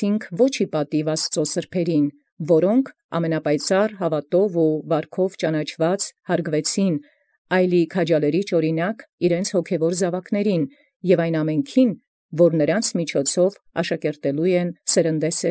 Ասացաք ոչ ի պատիւ ինչ սրբոցն Աստուծոյ, որք ամենապայծառ հաւատով և վարուք ծանուցեալք յարգեցան, այլ յաւրինակ քաջալերիչ՝ հոգևոր ծննդոց իւրեանց, և որք նոքաւք աշակերտելոց իցեն յազգս ազգաց։